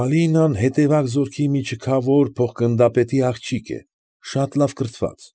Ալինան հետևակ զորքի մի չքավոր փոխ֊գնդապետի աղջիկ է, շատ լավ կրթված։